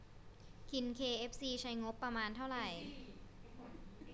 กินเคเอฟซีใช้งบประมาณเท่าไหร่